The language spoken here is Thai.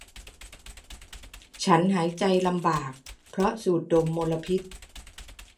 ฉันหายใจลำบากเพราะสูดดมมลพิษ